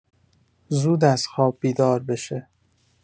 زود از خواب بیدار بشه